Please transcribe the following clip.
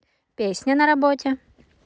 песня на работе